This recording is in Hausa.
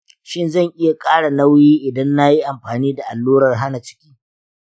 shin zan iya ƙara nauyi idan na yi amfani da allurar hana ciki?